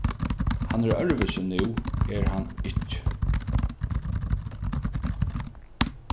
hann er øðrvísi nú er hann ikki